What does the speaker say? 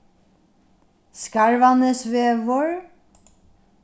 skarvanesvegur